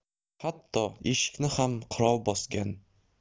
hatto eshikni ham qirov bosgan